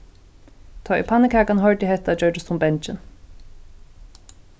tá ið pannukakan hoyrdi hetta gjørdist hon bangin